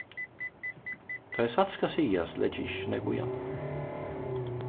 tá ið satt skal sigast leggi eg ikki so nógv í hana